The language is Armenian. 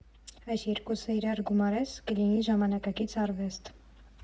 Այս երկուսը իրար գումարես՝ կլինի ժամանակակից արվեստ։